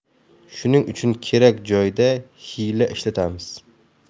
shuning uchun kerak joyda hiyla ishlatamiz